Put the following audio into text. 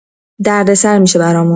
دردسر می‌شه برامون.